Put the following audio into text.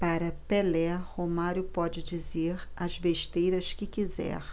para pelé romário pode dizer as besteiras que quiser